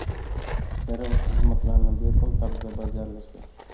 servis xizmatlari bepul tarzda bajarilishi